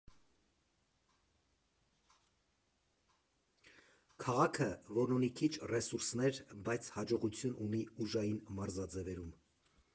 Քաղաքը, որն ունի քիչ ռեսուրսներ, բայց հաջողություն ունի ուժային մարզաձևերում.